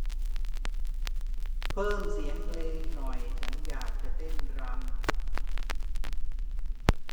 เพิ่มเสียงเพลงหน่อยฉันอยากจะเต้นรำ